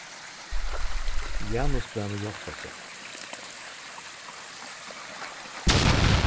janus bað meg hjálpa sær